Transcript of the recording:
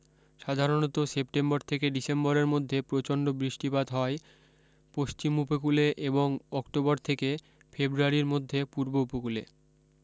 সাধারণত সেপ্টেম্বর থেকে ডিসেম্বরের মধ্যে প্রচণ্ড বৃষ্টিপাত হয় পশ্চিম উপকূলে এবং অক্টোবর থেকে ফেব্রুয়ারীর মধ্যে পূর্ব উপকূলে